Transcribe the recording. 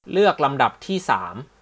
เลือกลำดับที่สาม